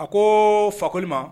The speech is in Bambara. A ko fakoli ma